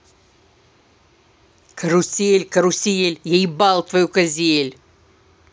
карусель карусель я ебал твою козель